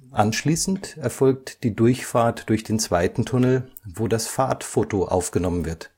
Anschließend erfolgt die Durchfahrt durch den zweiten Tunnel, wo das Fahrtfoto aufgenommen wird